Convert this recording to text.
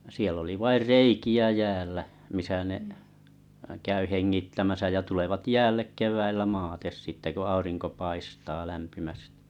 siellä oli vain reikiä jäällä missä ne käy hengittämässä ja tulevat jäälle keväällä maate sitten kun aurinko paistaa lämpimästi